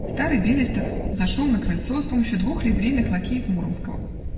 Старый Берестов взошел на крыльцо с помощью двух ливрейных лакеев Муромского.